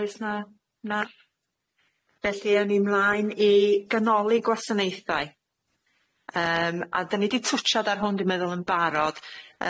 Oes 'na 'na'r. Felly awn ni mlaen i ganoli gwasanaethau. Yym a 'dyn ni 'di twtsiad ar hwn dwi meddwl yn barod